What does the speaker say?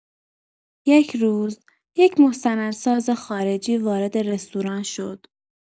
یک روز، یک مستندساز خارجی وارد رستوران شد.